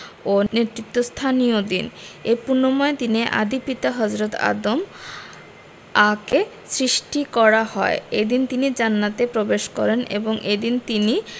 ও নেতৃত্বস্থানীয় দিন এ পুণ্যময় দিনে আদি পিতা হজরত আদম আ কে সৃষ্টি করা হয় এদিন তিনি জান্নাতে প্রবেশ করেন এবং এদিন তিনি